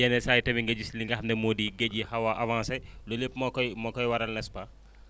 yenn saa yi tamit nga gis li nga xam ne moo di géej yi xaw a avancé loolu yëpp moo koy moo koy waral n' est ce pas